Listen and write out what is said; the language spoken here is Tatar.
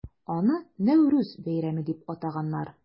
Аны Нәүрүз бәйрәме дип атаганнар.